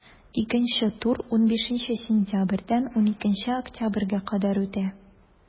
Икенче тур 15 сентябрьдән 12 октябрьгә кадәр үтә.